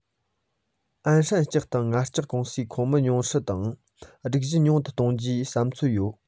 ཨན ཧྲན ལྕགས དང ངར ལྕགས ཀུང སིའི ཁོངས མི ཉུང འཕྲི དང སྒྲིག གཞི ཉུང དུ གཏོང རྒྱུའི བསམ ཚོད ཡོད